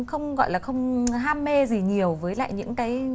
không gọi là không ham mê gì nhiều với lại những cái